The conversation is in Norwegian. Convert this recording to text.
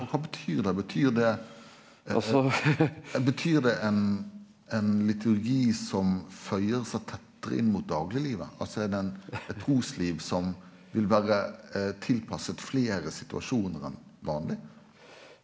og kva betyr det betyr det betyr det ein ein liturgi som føyer seg tettare inn mot dagleglivet altså er det ein eit trusliv som vil vere tilpassa fleire situasjonar enn vanleg?